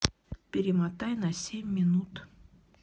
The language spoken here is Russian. перемотай на семь минут